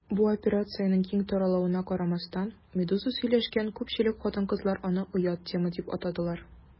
Бу операциянең киң таралуына карамастан, «Медуза» сөйләшкән күпчелек хатын-кызлар аны «оят тема» дип атадылар.